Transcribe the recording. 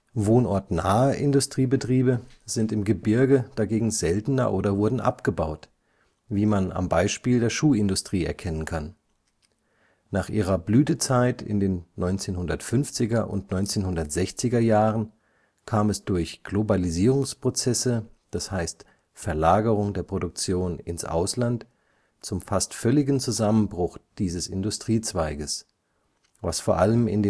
Wohnortnahe Industriebetriebe sind im Gebirge dagegen seltener oder wurden abgebaut, wie man am Beispiel der Schuhindustrie erkennen kann. Nach ihrer Blütezeit in den 1950er und 1960er Jahren kam es durch Globalisierungsprozesse (Verlagerung der Produktion ins Ausland) zum fast völligen Zusammenbruch dieses Industriezweiges, was vor allem in